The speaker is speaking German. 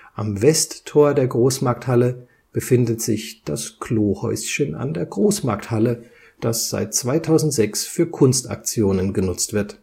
Am Westtor der Großmarkthalle befindet sich das Klohäuschen an der Großmarkthalle, das seit 2006 für Kunstaktionen genutzt wird